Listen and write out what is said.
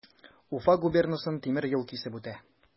Уфа губернасын тимер юл кисеп үтә.